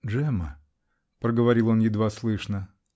-- Джемма, -- проговорил он едва слышно.